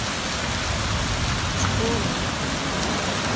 в школе